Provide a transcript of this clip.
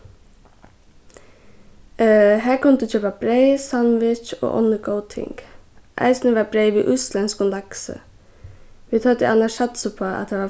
har kundi tú keypa breyð sandwich og onnur góð ting eisini var breyð við íslendskum laksi vit høvdu annars satsað upp á at har var